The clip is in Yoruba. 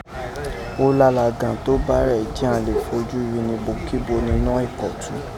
O lála gan to bárẹ̀ ji án lè foju ri ni ibokibo ninọ́ Ìkọ̀tún.